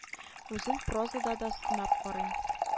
Үзен прозада да сынап карый